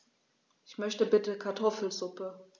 Ich möchte bitte Kartoffelsuppe.